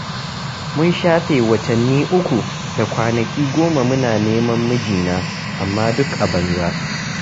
Mun shafe watanni uku da kwanaki goma muna neman mijina, amma duk a banza …